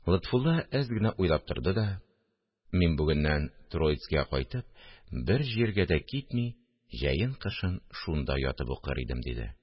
Лотфулла әз генә уйлап торды да: – Мин бүгеннән Троицкига кайтып, бер җиргә дә китми, җәен-кышын шунда ятып укыр идем, – диде